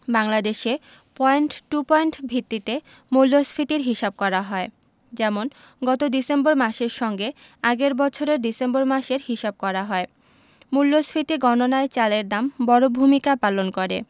বাংলাদেশে point to point ভিত্তিতে মূল্যস্ফীতির হিসাব করা হয় যেমন গত ডিসেম্বর মাসের সঙ্গে আগের বছরের ডিসেম্বর মাসের হিসাব করা হয় মূল্যস্ফীতি গণনায় চালের দাম বড় ভূমিকা পালন করে